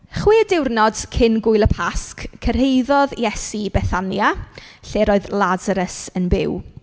Chwe diwrnod cyn gwyl y Pasg cyrhaeddodd Iesu i Bethania lle roedd Lasarus yn byw.